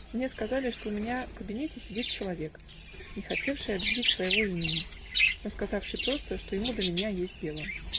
мне сказали, что у меня в кабинете сидит человек, не хотевший объявить своего имени, но сказавший просто, что ему до меня есть дело.